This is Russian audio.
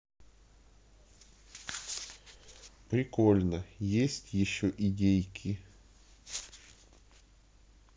прикольно есть еще идейки